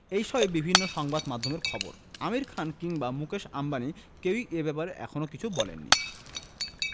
এই সবই বিভিন্ন সংবাদমাধ্যমের খবর আমির খান কিংবা মুকেশ আম্বানি কেউই এ ব্যাপারে এখনো কিছু বলেননি